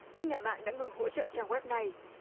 các nhà mạng đã ngừng hỗ trợ trang oét này